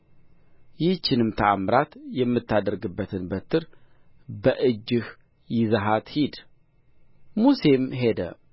ይህችንም ተአምራት የምታደርግባትን በትር በእጅህ ይዘሃት ሂድ ሙሴም ሄደ